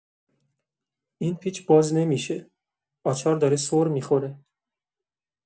این پیچ باز نمی‌شه، آچار داره سر می‌خوره.